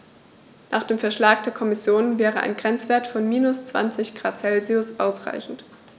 Nach dem Vorschlag der Kommission wäre ein Grenzwert von -20 ºC ausreichend.